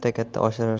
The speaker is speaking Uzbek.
katta katta osharsan